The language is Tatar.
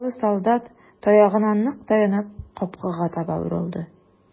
Яралы солдат, таягына нык таянып, капкага таба борылды.